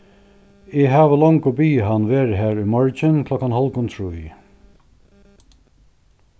eg havi longu biðið hann vera har í morgin klokkan hálvgum trý